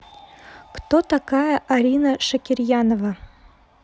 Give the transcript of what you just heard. кто такая арина шакирьянова